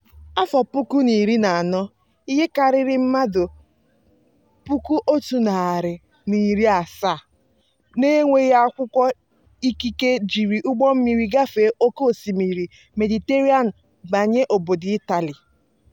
N'afọ 2014, ihe karịrị mmadụ 170,000 n'enweghị akwụkwọ ikike jiri ụgbọmmiri gafee oké osimiri Mediterranean banye obodo Italy.